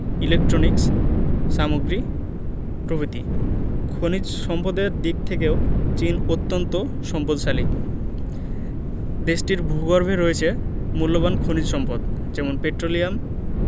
electronics সামগ্রী প্রভিতি খনিজ সম্পদের দিক থেকেও চীন অত্যান্ত সম্পদশালী দেশটির ভূগর্ভে রয়েছে মুল্যবান খনিজ সম্পদ যেমন পেট্রোলিয়াম